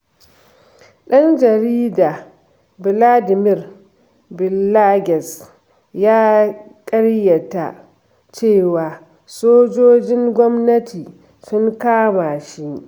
ɗan jarida ɓladimir ɓillages ya ƙaryata cewa sojojin gwamnati sun kama shi: